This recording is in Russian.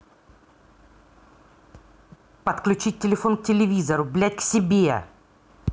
подключить телефон к телевизору блядь к себе